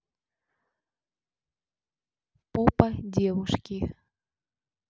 попа девушки